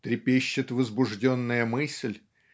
трепещет возбужденная мысль